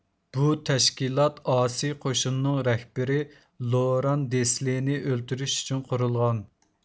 بۇ تەشكىلات ئاسىي قوشۇننىڭ رەھبىرى لوران دېسلېنى ئۆلتۈرۈش ئۈچۈن قۇرۇلغان